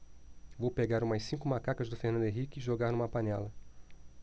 vou pegar umas cinco macacas do fernando henrique e jogar numa panela